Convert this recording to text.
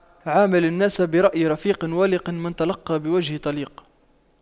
عامل الناس برأي رفيق والق من تلقى بوجه طليق